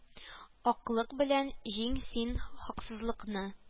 Аклык белән җиң син хаксызлыкны